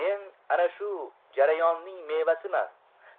men ana shu jarayonning mevasiman